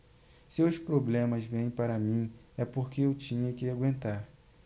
se os problemas vêm para mim é porque eu tinha que aguentar